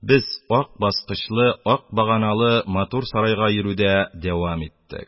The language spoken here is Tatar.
Без ак баскычлы, ак баганалы матур сарайга йөрүдә дәвам иттек.